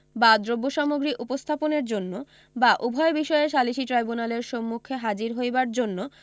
বা দ্রব্যসামগ্রী উপস্থাপনের জন্য বা উভয় উদ্দেশ্যে সালিসী ট্রাইব্যুনালের সম্মুখে হাজির হইবার জন্য